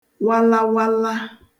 walawala